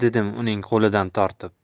uning qo'lidan tortib